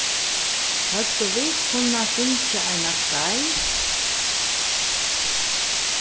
høvdu vit kunnað fingið eina skeið